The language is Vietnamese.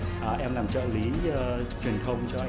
à em làm trợ lý truyền thông cho